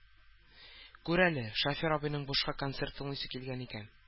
Күр әле, шофер абыйның бушка концерт тыңлыйсы килгән икән